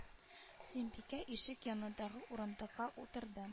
Сөембикә ишек янындагы урындыкка утырды